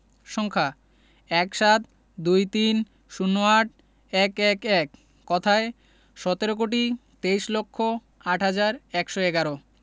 সংখ্যাঃ ১৭ ২৩ ০৮ ১১১ কথায়ঃ সতেরো কোটি তেইশ লক্ষ আট হাজার একশো এগারো